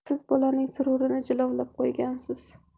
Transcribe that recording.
siz bolaning sururini jilovlab qo'ygansiz